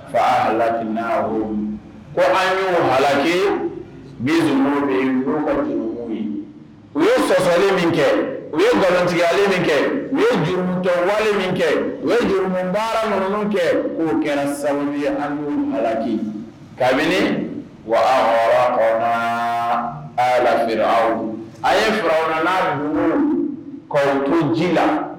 Farina ko a yelaki min ni ye u ye sɔsa min kɛ u ye nkalontigiya min kɛ u ye jurutɔwa min kɛ u ye jurumbara ŋ kɛ k'u kɛra sanu ye ani alaki kabini wa hɔrɔn kɔnɔ ala aw a ye faraugu kɔkun ji la